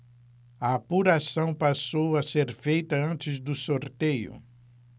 a apuração passou a ser feita antes do sorteio